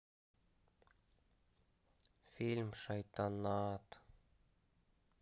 фильм шайтанат